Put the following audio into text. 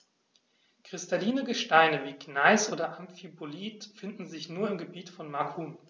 Kristalline Gesteine wie Gneis oder Amphibolit finden sich nur im Gebiet von Macun.